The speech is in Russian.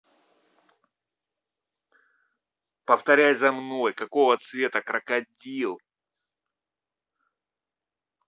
повторяй за мной какого цвета крокодил